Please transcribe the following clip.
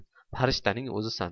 parishtaning o'zisan